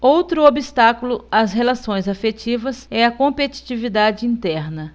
outro obstáculo às relações afetivas é a competitividade interna